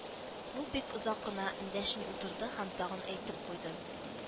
Ул бик озак кына эндәшми утырды һәм тагын әйтеп куйды: